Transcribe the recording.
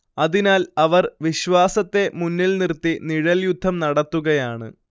അതിനാൽ അവർ വിശ്വാസത്തെ മുന്നിൽ നിർത്തി നിഴൽയുദ്ധം നടത്തുകയാണ്